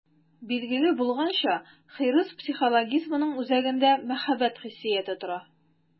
Билгеле булганча, хирыс психологизмының үзәгендә мәхәббәт хиссияте тора.